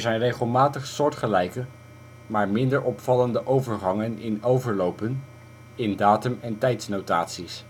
zijn regelmatig soortgelijke, maar minder opvallende overgangen in " overlopen " in datum en tijdnotaties.